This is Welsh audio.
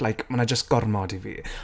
like, mae 'na jyst gormod i fi.